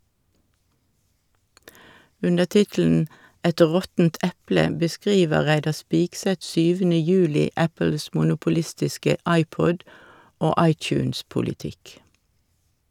Under tittelen "Et råttent eple" beskriver Reidar Spigseth 7. juli Apples monopolistiske iPod- og iTunes-politikk.